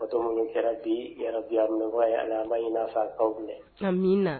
Minnu kɛra bibuya min ala n'afa tɔn minɛ na